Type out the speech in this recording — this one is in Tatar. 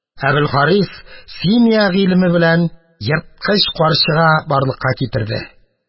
Әбелхарис симия гыйлеме белән ерткыч карчыга барлыкка китерде.